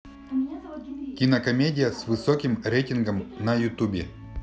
кинокомедия с высоким рейтингом на ютубе